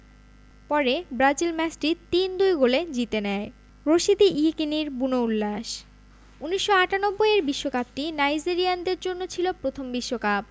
পরে ব্রাজিল ম্যাচটি ৩ ২ গোলে জিতে নেয় রশিদী ইয়েকিনীর বুনো উল্লাস ১৯৯৮ এর বিশ্বকাপটি নাইজেরিয়ানদের জন্য ছিল প্রথম বিশ্বকাপ